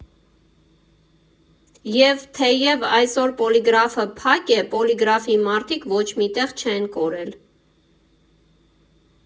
Եվ թեև այսօր Պոլիգրաֆը փակ է, Պոլիգրաֆի մարդիկ ոչ մի տեղ չեն կորել։